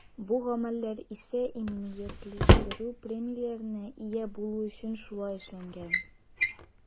Бу гамәлләр исә иминиятләштерү премияләренә ия булу өчен шулай эшләнгән.